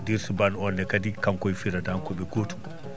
dustbane oon ne kadi kanko e "frident" ko ɓe gootum